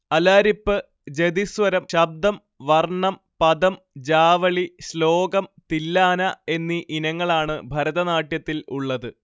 അലാരിപ്പ് ജതിസ്വരം ശബ്ദം വർണം പദം ജാവളി ശ്ലോകം തില്ലാന എന്നീ ഇനങ്ങളാണ് ഭരതനാട്യത്തിൽ ഉള്ളത്